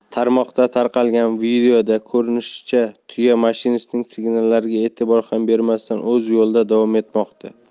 tarmoqda tarqalgan videoda ko'rinishicha tuya mashinistning signallariga e'tibor ham bermasdan o'z yo'lida davom etmoqda